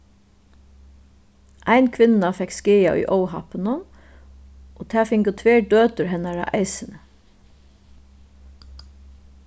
ein kvinna fekk skaða í óhappinum og tað fingu tvær døtur hennara eisini